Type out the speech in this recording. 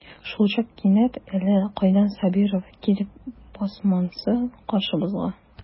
Шулчак кинәт әллә кайдан Сабиров килеп басмасынмы каршыбызга.